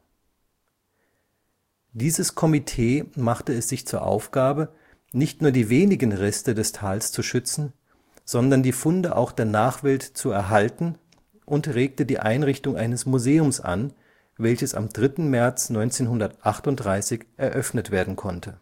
Dieses Komitee machte es sich zur Aufgabe, nicht nur die wenigen Reste des Tales zu schützen, sondern die Funde auch der Nachwelt zu erhalten, und regte die Einrichtung eines Museums an, welches am 3. März 1938 eröffnet werden konnte